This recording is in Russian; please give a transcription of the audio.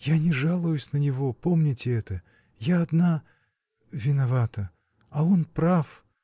— Я не жалуюсь на него: помните это. Я одна. виновата. а он прав.